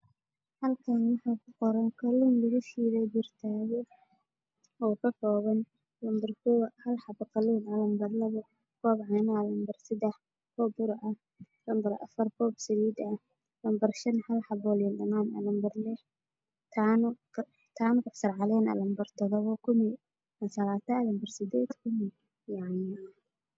Halkan waxa ku qoran kaluun ku qoray Barkaado ookakooban lanbar koobcaano ,koob Saliida, Hal xaboo liin dhanaan ah